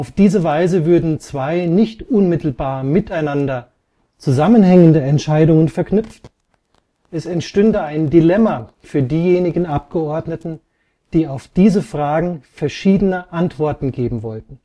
diese Weise würden zwei nicht unmittelbar miteinander zusammenhängende Entscheidungen verknüpft; es entstünde ein Dilemma für diejenigen Abgeordneten, die auf diese Fragen verschiedene Antworten geben wollten